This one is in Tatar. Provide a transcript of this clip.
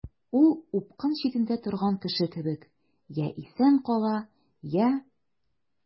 Ул упкын читендә торган кеше кебек— я исән кала, я...